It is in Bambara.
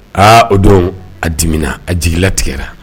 Aa o don a dimina a jigi latigɛra